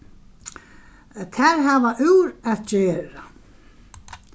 tær hava úr at gera